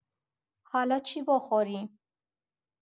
حالا چی بخوریم؟